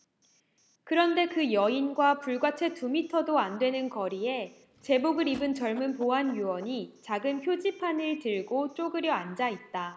그런데 그 여인과 불과 채 두 미터도 안 되는 거리에 제복을 입은 젊은 보안 요원이 작은 표지판을 들고 쪼그려 앉아 있다